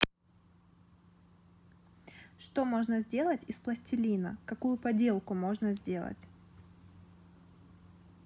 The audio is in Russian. что можно сделать из пластилина какую можно подделку сделать